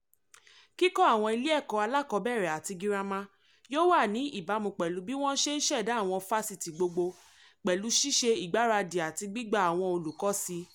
Kíkọ́ àwọn ilé ẹ̀kọ́ alákọ̀ọ́bẹ̀rẹ̀ àti girama yóò wà ní ìbámu pẹ̀lú bí wọ́n ṣe ń ṣẹ̀dá àwọn fáṣítì gbogbogbò, pẹ̀lú ṣiṣẹ́ ìgbáradì àti gbígba àwọn olùkọ́ si.